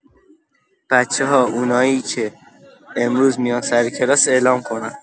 بچه‌ها اونایی که امروز میان سر کلاس اعلام کنن.